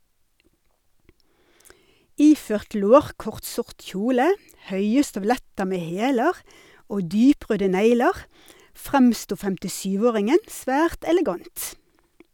Iført lårkort sort kjole, høye støvletter med hæler og dyprøde negler fremsto 57-åringen svært elegant.